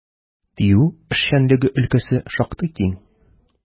ТИҮ эшчәнлеге өлкәсе шактый киң.